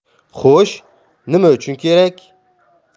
xo'sh nima uchun kerak